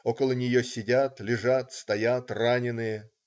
Около нее сидят, лежат, стоят раненые.